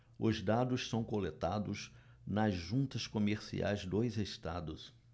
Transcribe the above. os dados são coletados nas juntas comerciais dos estados